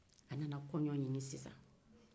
a nana kɔjɔ ɲini sisan